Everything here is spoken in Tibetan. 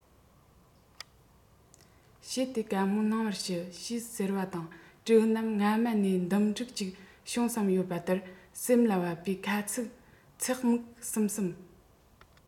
བྱེད དེ བཀའ མོལ གནང བར ཞུ ཞེས ཟེར བ དང སྤྲེའུ རྣམས སྔ མ ནས སྡུམ འགྲིག ཅིག བྱུང བསམ ཡོད པ ལྟར སེམས ལ བབས པས ཁ ཚེག ཚེག མིག ཟུམ ཟུམ